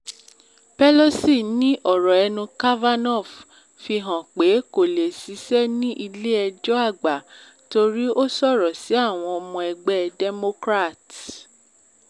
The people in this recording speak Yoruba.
Pelosi ni ọ̀rọ̀ ẹnu Kavanaugh fi hàn pé kò lè ṣiṣẹ́ ní Ilé-ejọ́ Àgbà torí ó sọ̀rọ̀ sí àwọn ọmọ egbẹ́ Democrat.